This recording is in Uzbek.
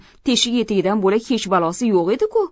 teshik etigidan bo'lak hech balosi yo'q edi ku